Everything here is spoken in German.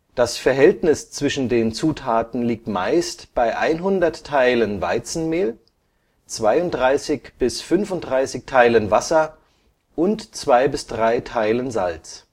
Das Verhältnis zwischen den Zutaten liegt meist bei 100 Teilen Weizenmehl, 32 bis 35 Teilen Wasser und 2 bis 3 Teilen Salz